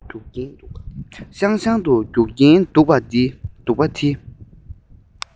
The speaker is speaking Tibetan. ཤང ཤང དུ རྒྱུག གིན འདུག པ འདི